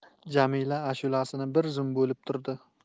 jamila ashulasini bir zum bo'lib turdi